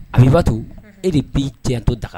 Abibtu, e de bɛ i jantɔ daga la